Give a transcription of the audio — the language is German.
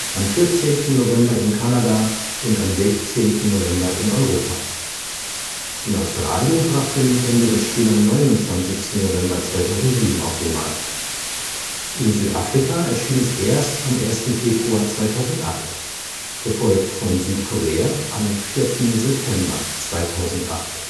am 14. November in Kanada und am 16. November in Europa. In Australien brachte Nintendo das Spiel am 29. November 2007 auf den Markt. In Südafrika erschien es erst am 1. Februar 2008, gefolgt von Südkorea am 4. September 2008